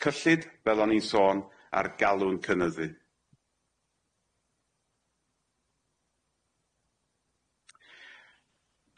cyllid fel o'n i'n sôn ar galw'n cynyddu.